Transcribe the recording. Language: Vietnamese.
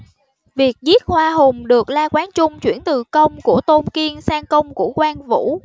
việc giết hoa hùng được la quán trung chuyển từ công của tôn kiên sang công của quan vũ